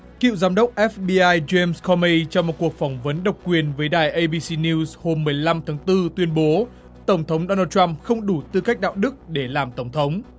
cựu giám đốc ép bi ai giêm co mây cho một cuộc phỏng vấn độc quyền với đài ây bi si niu hôm mười lăm tháng tư tuyên bố tổng thống đon nồ trăm không đủ tư cách đạo đức để làm tổng thống